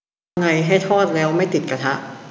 ทำไงให้ทอดแล้วไม่ติดกระทะ